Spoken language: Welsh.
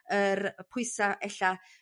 yr pwysa' ella